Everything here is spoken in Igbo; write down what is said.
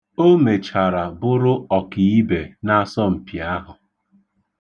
̣O mechara bụrụ ọkiibe n'asọmpi ahụ.